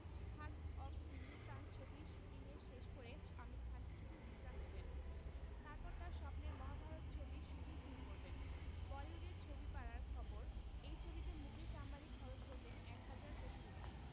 Thugs of Hindustan ছবির shooting শেষ করে আমির খান কিছুদিন বিশ্রাম নেবেন তারপর তাঁর স্বপ্নের মহাভারত ছবির শুটিং শুরু করবেন বলিউডের ছবিপাড়ার খবর এই ছবিতে মুকেশ আম্বানি খরচ করবেন এক হাজার কোটি রুপি